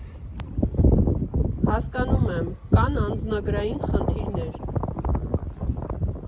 Հասկանում եմ, կան անձնագրային խնդիրներ։